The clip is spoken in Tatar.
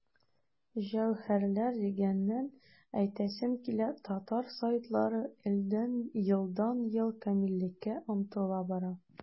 Җәүһәрләр дигәннән, әйтәсем килә, татар сайтлары елдан-ел камиллеккә омтыла бара.